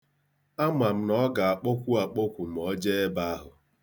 Ama m na ọ ga-akpọkwu akpọkwu ma o jee ebe ahụ.